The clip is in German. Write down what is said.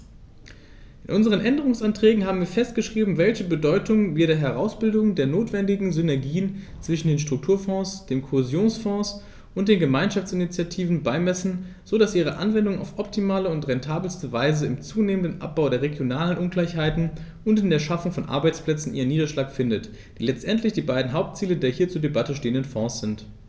In unseren Änderungsanträgen haben wir festgeschrieben, welche Bedeutung wir der Herausbildung der notwendigen Synergien zwischen den Strukturfonds, dem Kohäsionsfonds und den Gemeinschaftsinitiativen beimessen, so dass ihre Anwendung auf optimale und rentabelste Weise im zunehmenden Abbau der regionalen Ungleichheiten und in der Schaffung von Arbeitsplätzen ihren Niederschlag findet, die letztendlich die beiden Hauptziele der hier zur Debatte stehenden Fonds sind.